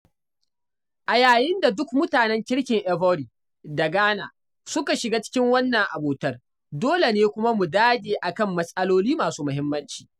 A yayin da duk mutanen kirkin Ivory da Ghana suka shiga cikin wannan abotar, dole ne kuma mu dage a kan mas'aloli masu muhimmanci.